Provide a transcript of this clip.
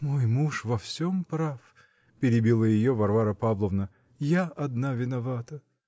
-- Мой муж во всем прав, -- перебила ее Варвара Павловна, -- я одна виновата.